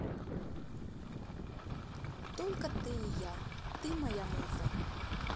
только ты и я ты моя муза